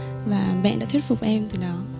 và mẹ đã thuyết phục em từ đó